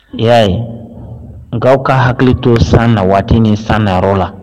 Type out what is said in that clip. I y'a ye nk'aw k'a' hakili to san na waati ni san nayɔrɔ la